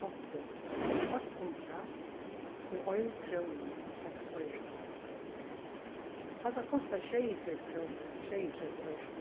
kontu er eitt hundrað og ein króna og seks oyru hatta kostar sjeyogfjøruti krónur og sjeyogtretivu oyru